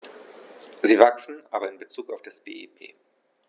Sie wachsen, aber in bezug auf das BIP.